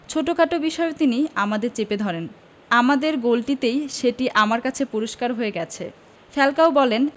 ছোটখাট বিষয়েও তিনি আমাদের চেপে ধরেন আমাদের গোলটিতেই সেটি আমার কাছে পরিস্কার হয়ে গেছে ফ্যালকাও বলেন